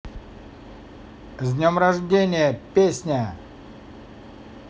с днем рождения песня